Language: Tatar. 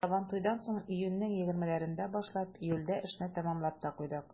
Сабантуйдан соң, июньнең 20-ләрендә башлап, июльдә эшне тәмамлап та куйдык.